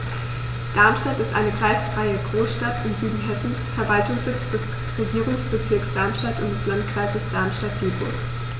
Darmstadt ist eine kreisfreie Großstadt im Süden Hessens, Verwaltungssitz des Regierungsbezirks Darmstadt und des Landkreises Darmstadt-Dieburg.